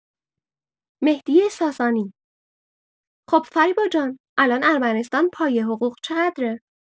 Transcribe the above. مهدی ساسانی: خب فریبا جان الان ارمنستان پایه حقوق چقدره؟